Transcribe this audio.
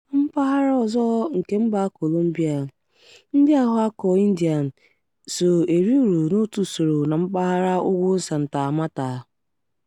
Na mpaghara ọzọ nke mba Colombia, ndị Arhuaco India so eri uru n'otu usoro na mpaghara ugwu Santa Marta.